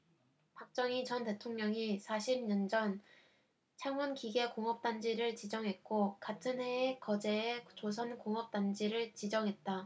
박정희 전 대통령이 사십 년전 창원기계공업단지를 지정했고 같은해에 거제에 조선공업단지를 지정했다